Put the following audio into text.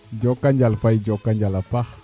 jokonjal Faye jokonjal a paax